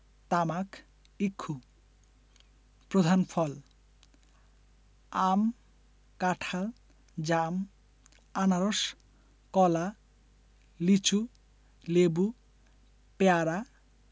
তামাক ইক্ষু প্রধান ফলঃ আম কাঁঠাল জাম আনারস কলা লিচু লেবু পেয়ারা